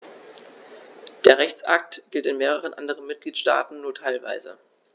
Der Rechtsakt gilt in mehreren anderen Mitgliedstaaten nur teilweise.